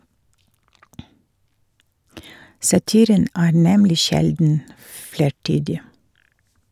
Satiren er nemlig sjelden flertydig.